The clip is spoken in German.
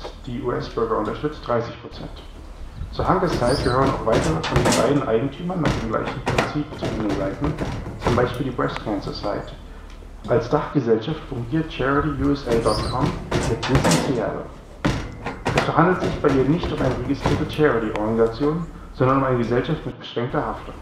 die US-Bürger unterstützt, 30 Prozent. Zur Hungersite gehören auch weitere von den beiden Eigentümern nach dem gleichen Prinzip betriebene Seiten (z. B. die Breast Cancer Site), als Dachgesellschaft fungiert CharityUSA.com mit Sitz in Seattle. Es handelt sich bei ihr nicht um eine registrierte charity-Organisation, sondern um eine Gesellschaft mit beschränkter Haftung